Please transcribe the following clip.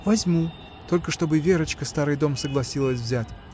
— Возьму, только чтоб и Верочка старый дом согласилась взять.